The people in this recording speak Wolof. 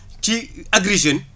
ci Agri Jeunes